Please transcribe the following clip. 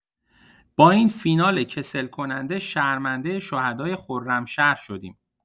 با این فینال کسل‌کننده شرمنده شهدای خرمشهر شدیم!